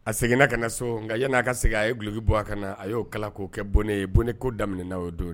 A seginna ka na so nka yala aa ka segin a ye gloki bɔ a kan a y'o kala kɛ bɔnnen bɔnnen ko damin ye don